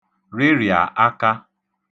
rịrịà aka